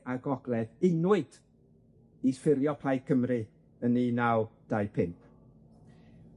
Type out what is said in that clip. a Gogledd, unwyd i ffurfio Plaid Cymru yn un naw dau pump.